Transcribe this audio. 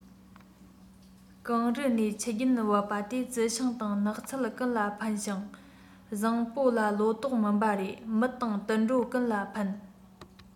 གངས རི ནས ཆུ རྒྱུན བབས པ དེ རྩྭ ཤིང དང ནགས ཚལ ཀུན ལ ཕན ཞིང བཟང པོ ལ ལོ ཏོག སྨིན པ རེད མི དང དུད འགྲོ ཀུན ལ ཕན